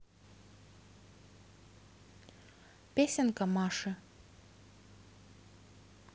песенки маши